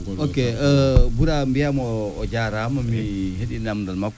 ok Bourama mbiyaamo o jaaraama mi heɓii naamndal makko